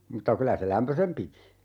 mutta kyllä se lämpöisen piti